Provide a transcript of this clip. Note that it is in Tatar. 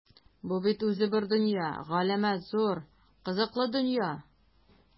Бу бит үзе бер дөнья - галәмәт зур, кызыклы дөнья!